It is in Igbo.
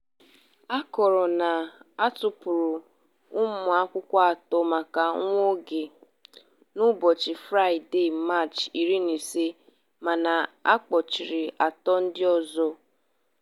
A kọrọ na a tọhapụrụ ụmụakwụkwọ atọ maka nwaoge n'ụbọchị Fraịdee, Maachị 15, mana, a kpọchiri atọ ndị ọzọ.